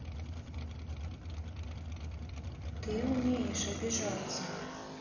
ты умеешь обижаться